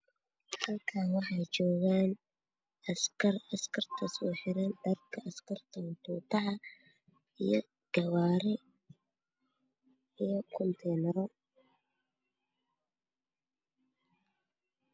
Halkaan waxa jogan askar askartaso xiran dharka askarta ee tuutaha iyo gawaari iyo Konteenaro